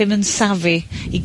sdim yn savvy i...